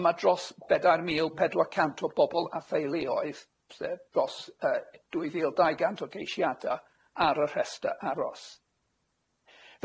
A ma' dros bedair mil pedwar cant o bobol a theuluoedd, sef dros yy dwy fil dau gant o geisiada ar y rhestr aros.